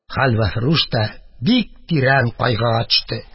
Хәлвәфрүш тә бик тирән кайгыга төште.